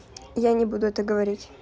а пися волосатая у тебя ибреев